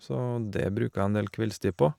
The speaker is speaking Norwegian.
Så det bruker jeg en del kveldstid på.